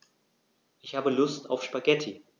Ich habe Lust auf Spaghetti.